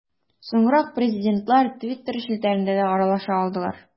Соңрак президентлар Twitter челтәрендә дә аралашып алдылар.